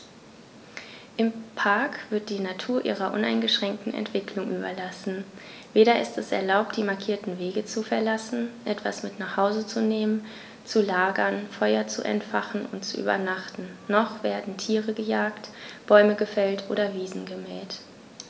Im Park wird die Natur ihrer uneingeschränkten Entwicklung überlassen; weder ist es erlaubt, die markierten Wege zu verlassen, etwas mit nach Hause zu nehmen, zu lagern, Feuer zu entfachen und zu übernachten, noch werden Tiere gejagt, Bäume gefällt oder Wiesen gemäht.